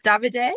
Davide?